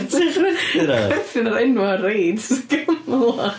Be ti'n chwerthin ar?... Chwerthin ar enw reids Camelot